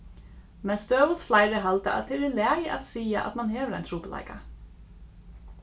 men støðugt fleiri halda at tað er í lagi at siga at mann hevur ein trupulleika